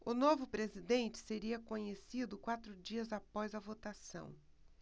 o novo presidente seria conhecido quatro dias após a votação